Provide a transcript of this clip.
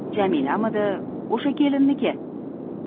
jamilamidi o'sha kelinniki